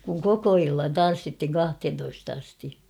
kun koko illan tanssittiin kahteentoista asti